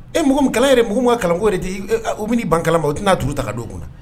E m kala yɛrɛ mung ka kalanko de tɛ u bɛna ban kala ma u tɛna n'a juru ta ka don kunna